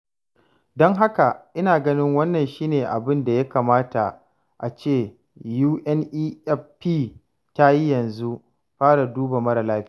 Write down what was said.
Don haka, ina ganin wannan shi ne abin da ya kamata a ce UNEP ta yi yanzu: fara duba mara lafiyar.